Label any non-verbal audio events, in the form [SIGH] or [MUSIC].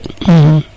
[HESITATION] [HESITATION]